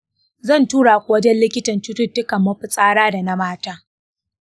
zan tura ku wajen likitan cututtukan mafitsara da na mata.